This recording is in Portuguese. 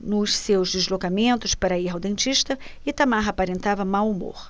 nos seus deslocamentos para ir ao dentista itamar aparentava mau humor